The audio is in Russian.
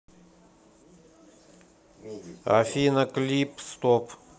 афина клип стоп